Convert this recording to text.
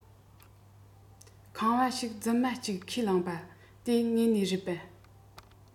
ཁང པ ཞིག རྫུན མ གཅིག ཁས བླངས པ དེ དངོས གནས རེད ཡ